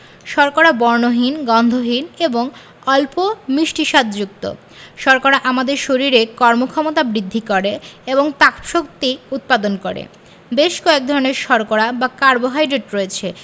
শর্করা বর্ণহীন গন্ধহীন এবং অল্প মিষ্টি স্বাদযুক্ত শর্করা আমাদের শরীরে কর্মক্ষমতা বৃদ্ধি করে এবং তাপশক্তি উৎপাদন করে বেশ কয়েক ধরনের শর্করা বা কার্বোহাইড্রেট রয়েছে